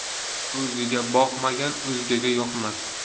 o'ziga boqmagan o'zgaga yoqmas